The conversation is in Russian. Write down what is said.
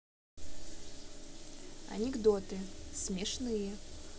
анекдоты смешные